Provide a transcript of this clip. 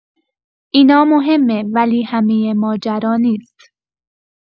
اینا مهمه، ولی همه ماجرا نیست.